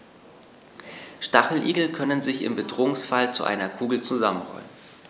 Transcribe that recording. Stacheligel können sich im Bedrohungsfall zu einer Kugel zusammenrollen.